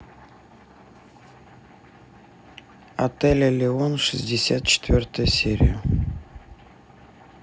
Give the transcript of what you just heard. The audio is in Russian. отель элеон шестьдесят четвертая серия